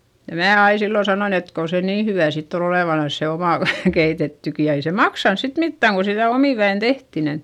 ja minä aina silloin sanoin että kun se niin hyvää sitten on olevanansa se oma - keitettykin ja ei se maksanut sitten mitään kun sitä omin väin tehtiin niin